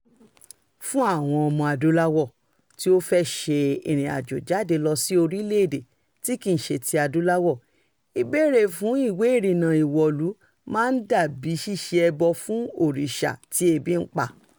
Fún àwọn Ọmọ-adúláwọ̀ tí ó fẹ́ ṣe ìrìnàjò jáde lọ sí orílẹ̀-èdè tí kìí ṣe ti adúláwọ̀, ìbéèrè fún ìwé ìrìnnà ìwọ̀lú máa ń dà bíi ṣíṣe ẹbọ fún òòṣà tí ebi ń pa.